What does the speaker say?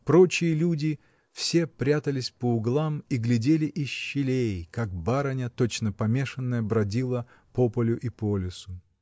Прочие люди все спрятались по углам и глядели из щелей, как барыня, точно помешанная, бродила по полю и по лесу.